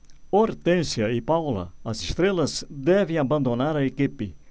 hortência e paula as estrelas devem abandonar a equipe